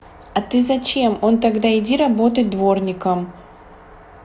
а ты зачем он тогда иди работать дворником